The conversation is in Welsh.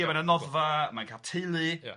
Ia ma' na noddfa, mae'n cael teulu... Ia.